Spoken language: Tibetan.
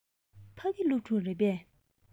ཕ གི སློབ ཕྲུག རེད པས